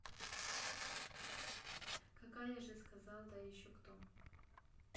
какая же сказал да есть кто